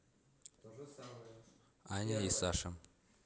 аня и саша